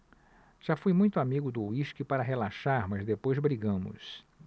já fui muito amigo do uísque para relaxar mas depois brigamos